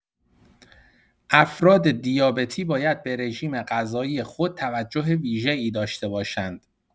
افراد دیابتی باید به رژیم‌غذایی خود توجه ویژه‌ای داشته باشند.